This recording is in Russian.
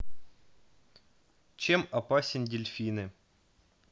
чем опасен дельфины